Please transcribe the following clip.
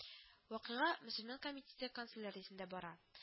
Вакыйга Моселман комитеты канцеляриесендә бара